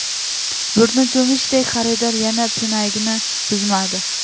burni cho'michdek xaridor yana pinagini buzmadi